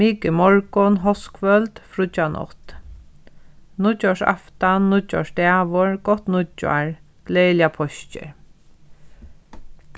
mikumorgun hóskvøld fríggjanátt nýggjársaftan nýggjársdagur gott nýggjár gleðiligar páskir